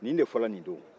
nin de fɔra nin don